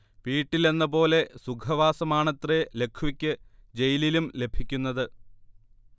വീട്ടിലെന്ന പോലെ സുഖവാസമാണേ്രത ലഖ്വിക്ക് ജയിലിലും ലഭിക്കുന്നത്